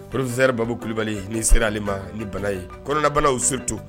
Psisrebabu kulibali ni sera ale ma ni bana ye kɔnɔnaɛbanaw se to